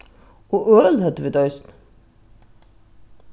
og øl høvdu vit eisini